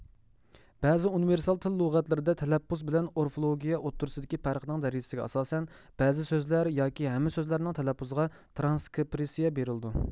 بەزى ئۇنىۋېرسال تىل لۇغەتلىرىدە تەلەپپۇز بىلەن ئورفوگرافىيە ئوتتۇرىسىدىكى پەرقنىڭ دەرىجىسىگە ئاساسەن بەزى سۆزلەر ياكى ھەممە سۆزلەرنىڭ تەلەپپۇزىغا ترانسكرىپسىيە بېرىلىدۇ